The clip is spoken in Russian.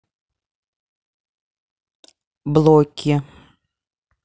блоки